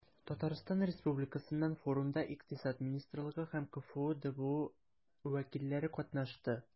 Татарстан Республикасыннан форумда Икътисад министрлыгы һәм КФҮ ДБУ вәкилләре катнашты.